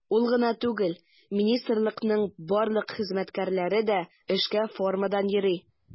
Ул гына түгел, министрлыкның барлык хезмәткәрләре дә эшкә формадан йөри.